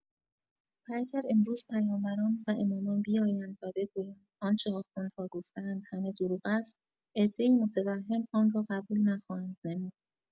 و اگر امروز پیامبران و امامان بیایند و بگویند آنچه آخوندها گفته‌اند همه دروغ است، عده‌ای متوهم آنرا قبول نخواهند نمود.